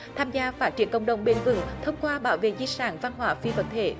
tham gia phát triển cộng đồng bền vững thông qua bảo vệ di sản văn hóa phi vật thể